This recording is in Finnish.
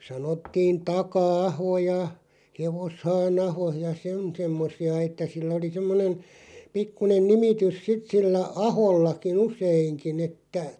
sanottiin Taka-aho ja Hevoshaanaho ja sen semmoisia että sillä oli semmoinen pikkuinen nimitys sitten sillä ahollakin useinkin että